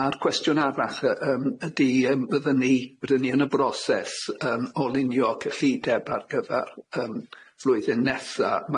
A'r cwestiwn arall yy yym ydy yym, bydden ni bydden ni yn y broses yym o linio cyllideb ar gyfer yym flwyddyn nesa,